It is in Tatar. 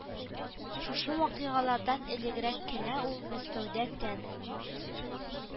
Шушы вакыйгалардан элегрәк кенә ул Мәскәүдә тән